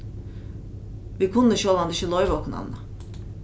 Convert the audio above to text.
vit kunnu sjálvandi ikki loyva okkum annað